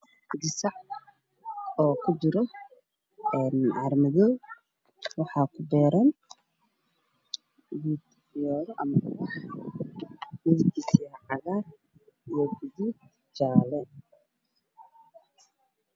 qasac ku jiro caro madow wax. ku beeran